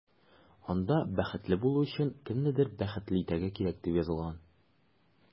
Анда “Бәхетле булу өчен кемнедер бәхетле итәргә кирәк”, дип язылган.